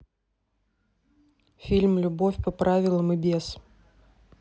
фильм любовь по правилам и без